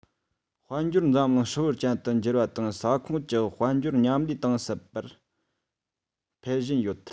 དཔལ འབྱོར འཛམ གླིང ཧྲིལ པོ ཅན དུ འགྱུར བ དང ས ཁོངས ཀྱི དཔལ འབྱོར མཉམ ལས གཏིང ཟབ སར འཕེལ བཞིན ཡོད